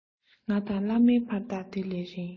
ང དང བླ མའི བར ཐག དེ ལས རིང